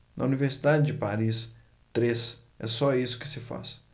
na universidade de paris três é só isso que se faz